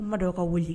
N ma dɔ ka wuli